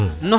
aha